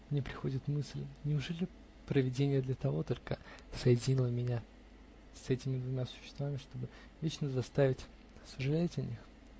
Мне приходит мысль: неужели провидение для того только соединило меня с этими двумя существами, чтобы вечно заставить сожалеть о них?.